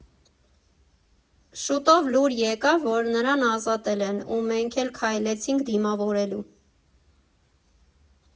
Շուտով լուր եկավ, որ նրան ազատել են, ու մենք էլ քայլեցինք դիմավորելու։